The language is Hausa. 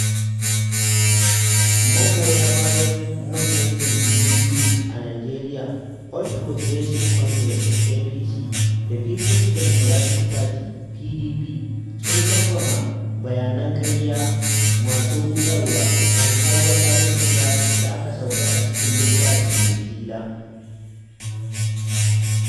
Magoya bayan manyan jam'iyyu biyu a Nijeria: All Progressive Congress (APC) da People's Democratc Party (PDP), sun kambama bayanan ƙarya masu ruɗarwa tamkar wata gaskiya da aka saukar a cikin littafin Linjila.